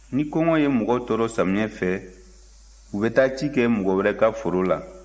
ni kɔngɔ ye mɔgɔw tɔɔrɔ samiyɛ fɛ u bɛ taa ci kɛ mɔgɔ wɛrɛ ka foro la